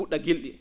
fu??a gil?i